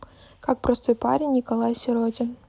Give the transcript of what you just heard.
как простой парень николай сиротин